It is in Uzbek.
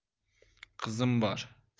qizim bor